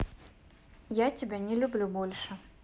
я тебя не люблю больше